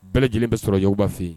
Bɛɛ lajɛlen bɛ sɔrɔ Yakuba fɛ yen.